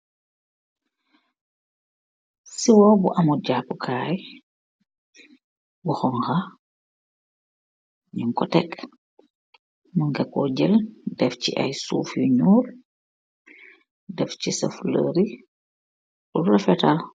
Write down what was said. Seywo bu amut jappukaay, bu hongha, nyug ko tekk, mun nga ko jell, defchi aye suuf yu nyul, defchi sa fuloory pur rafet taall.